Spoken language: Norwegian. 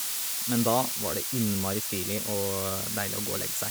Men da var det innmari stilig og deilig å gå og legge seg.